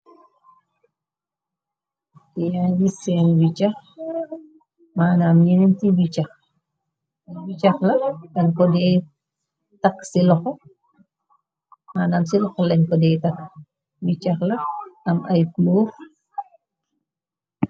Yaagi seen bxneebxbicaxlaadmanaam ci loxo lañ ko déy tak bi cax la am ay cloof.